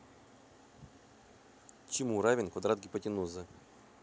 чему равен квадрат гипотенузы